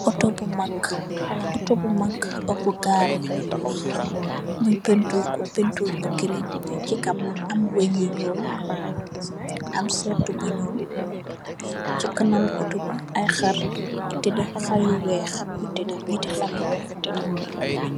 Ooto bu mag, ooto bu mag bu gaare, nyu pintir ko pintir bu giriin, si kanam am wej yu nyuul, am seetu bu nyuul, si kanam ooto bi ay xaar tadd, xaar yu weex yu tadd, nyati xaar yu weex fa tadd.